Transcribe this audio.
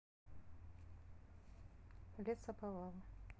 лесоповал